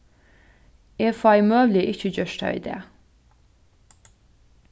eg fái møguliga ikki gjørt tað í dag